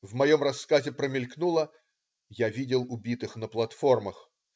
В моем рассказе промелькнуло: "Я видел убитых на платформах".